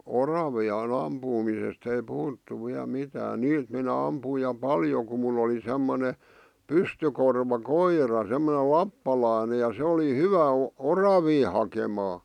oravien ampumisesta ei puhuttu vielä mitään niitä minä ammuin ja paljon kun minulla oli semmoinen pystykorva koira semmoinen lappalainen ja se oli hyvä - oravia hakemaan